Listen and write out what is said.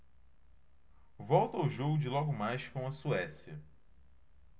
volto ao jogo de logo mais com a suécia